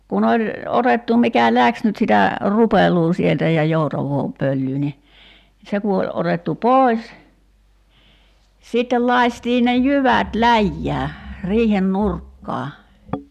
kun oli otettu mikä lähti nyt sitä rupeloa sieltä ja joutavaa pölyä niin se kun oli otettu pois sitten lakaistiin ne jyvät läjään riihen nurkkaan